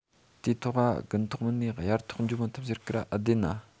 དེ ཐོག ག དགུན ཐོག མིན ནས དབྱར ཐོག འགྱོ མི ཐུབ ཟེར གི ར ཨེ བདེན ན